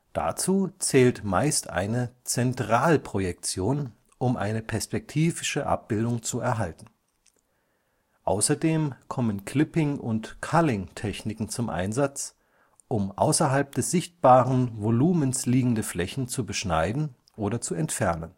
Dazu zählt meist eine Zentralprojektion, um eine perspektivische Abbildung zu erhalten. Außerdem kommen Clipping - und Culling-Techniken zum Einsatz, um außerhalb des sichtbaren Volumens liegende Flächen zu beschneiden oder zu entfernen